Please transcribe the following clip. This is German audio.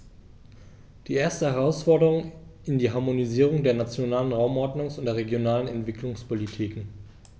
Die erste Herausforderung ist die Harmonisierung der nationalen Raumordnungs- und der regionalen Entwicklungspolitiken.